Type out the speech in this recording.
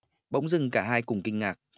bỗng dưng cả hai cùng kinh ngạc